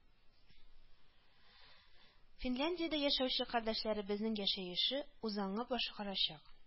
Финляндиядә яшәүче кардәшләребезнең яшәеше, үзаңы башкачарак